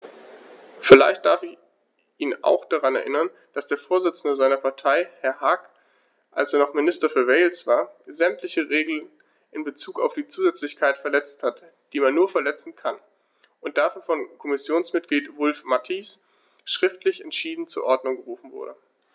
Vielleicht darf ich ihn auch daran erinnern, dass der Vorsitzende seiner Partei, Herr Hague, als er noch Minister für Wales war, sämtliche Regeln in Bezug auf die Zusätzlichkeit verletzt hat, die man nur verletzen kann, und dafür von Kommissionsmitglied Wulf-Mathies schriftlich entschieden zur Ordnung gerufen wurde.